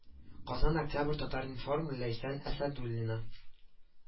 Казан октябрь татар-информ ләйсән әсәдуллина